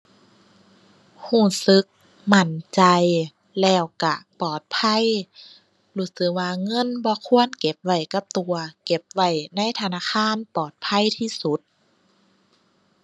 รู้สึกมั่นใจ แล้วรู้ปลอดภัย รู้สึกว่าเงินบ่ควรเก็บไว้กับตัว เก็บไว้ในธนาคารปลอดภัยที่สุด